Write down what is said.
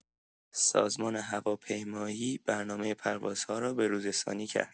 سازمان هواپیمایی برنامه پروازها را به‌روزرسانی کرد.